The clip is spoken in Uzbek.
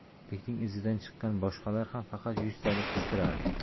asadbekning izidan chiqqan boshqalar ham faqat yuztalik qistirardi